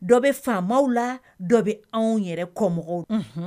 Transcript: Dɔ bɛ faamaw la dɔ bɛ anw yɛrɛ kɔ mɔgɔw unnhun